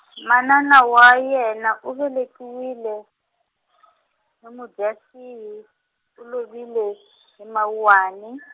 manana wa yena u velekiwile, hi Mudyaxihi, u lovile, hi Mawuwani .